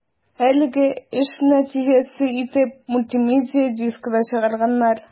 Әлеге эш нәтиҗәсе итеп мультимедия дискы да чыгарганнар.